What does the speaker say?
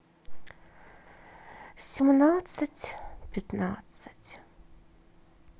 семнадцать пятнадцать